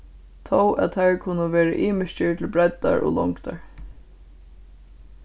tó at teir kunnu vera ymiskir til breiddar og longdar